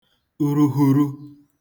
uruhuru